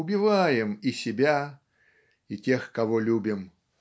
убиваем и себя, и тех, кого любим.